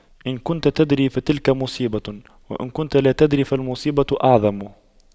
إذا كنت تدري فتلك مصيبة وإن كنت لا تدري فالمصيبة أعظم